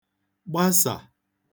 gbasà